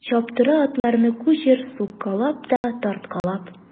Чаптыра атларны кучер суккалап та тарткалап.